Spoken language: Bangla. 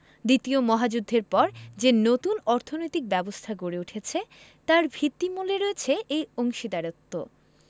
দ্বিতীয় মহাযুদ্ধের পর যে নতুন অর্থনৈতিক ব্যবস্থা গড়ে উঠেছে তার ভিত্তিমূলে রয়েছে এই অংশীদারত্ব